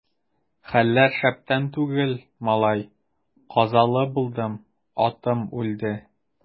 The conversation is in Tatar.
Хәлләр шәптән түгел, малай, казалы булдым, атым үлде.